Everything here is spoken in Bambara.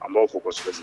An b'aw fo kosɛbɛ bi.